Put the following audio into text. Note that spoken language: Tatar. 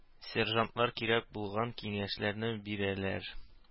Сержантлар кирәк булган киңәшләрне бирәләр.